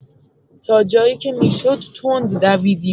تا جایی که می‌شد تند دویدیم.